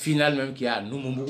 F' min kɛya numu